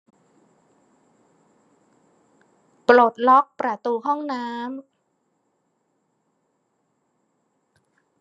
ปลดล็อกประตูห้องน้ำ